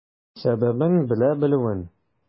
Сәбәбен белә белүен.